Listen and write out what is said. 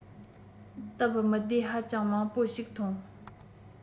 སྟབས མི བདེ ཧ ཅང མང པོ ཞིག ཐོན